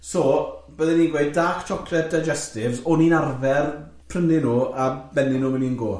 So, bydden i'n gweud dark chocolate digestives, o'n i'n arfer prynu nhw a bennu nhw myn un go.